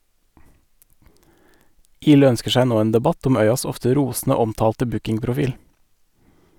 Ihle ønsker seg nå en debatt om Øyas ofte rosende omtalte bookingprofil.